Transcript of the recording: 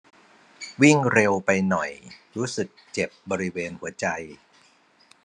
วิ่งเร็วไปหน่อยรู้สึกเจ็บบริเวณหัวใจ